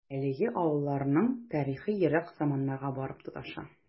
Әлеге авылларның тарихы ерак заманнарга барып тоташа.